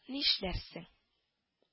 Нишләрсең